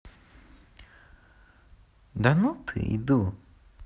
да ну ты иду